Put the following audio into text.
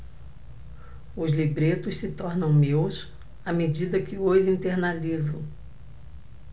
os libretos se tornam meus à medida que os internalizo